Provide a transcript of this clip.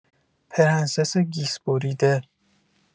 پرنسس گیس‌بریده